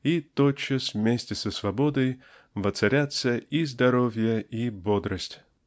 и тотчас вместе со свободой воцарятся и здоровье и бодрость.